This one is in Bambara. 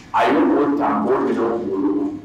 A ye mun ta' don